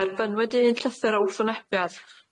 Derbynwyd un llythyr o wrthwynebiad